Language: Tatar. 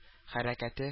Хәрәкәте